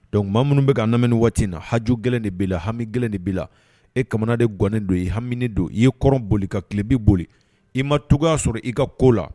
Dɔnkuc minnu bɛka ka lam waati na haj gɛlɛn de b la hami gɛlɛn de bi la e kamana de gnen don i hamiini don i ye kɔrɔn boli ka tilebbi boli i ma to' sɔrɔ i ka ko la